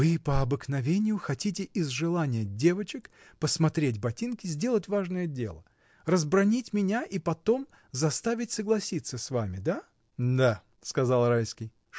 — Вы, по обыкновению, хотите из желания девочек посмотреть ботинки сделать важное дело, разбранить меня и потом заставить согласиться с вами. да? — Да, — сказал Райский.